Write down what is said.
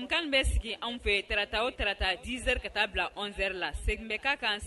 kan bɛ sigi anw fɛ tarata o 10 heures ka ta'a bila 11 heures la segin bɛ k'a kan